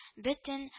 Бөтен